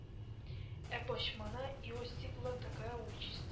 А бачмана иостигла такая участь